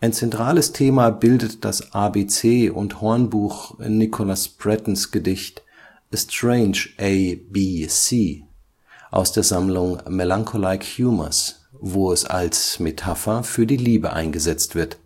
zentrales Thema bildet das ABC und Hornbuch in Nicholas Bretons Gedicht “A Strange A B C” aus der Sammlung Melancholike Humours… (1600), wo es als Metapher für die Liebe eingesetzt wird